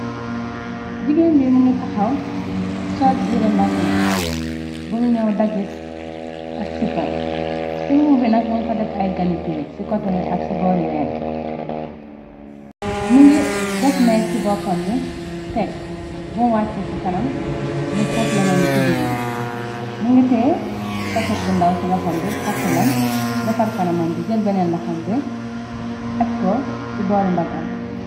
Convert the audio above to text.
Jigéen bi më ngi taxaw, sol yire mbase bum ñaw dagit ak sipam, ci mbubu bi nak mung fa def ay ganitiir ci koteyi ak ci boori ween bi, më ngi def mees ci boppam bi, teg bum wàcce ci kanam, mu pof lenee li ci digg bi, më ngi teye poset bu ndaw ci loxom bi, tàkk lam, defar kanamam bi, jël beneen loxom bi aj ko ci boori mbaggam bi.